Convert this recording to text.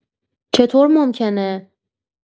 چطور ممکنه؟